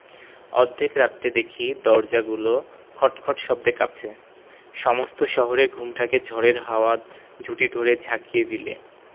অর্ধেক রাত্রে দেখি দরজাগুলো খটখট শব্দে কাঁপছে সমস্ত শহরের ঘুমটাকে ঝড়ের হাওয়া ঝুঁটি ধরে ঝাঁকিয়ে দিলে